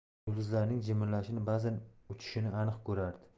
yulduzlarning jimirlashini bazan uchishini aniq ko'rardi